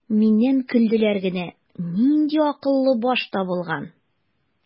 Миннән көлделәр генә: "Нинди акыллы баш табылган!"